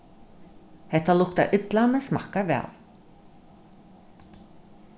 hetta luktar illa men smakkar væl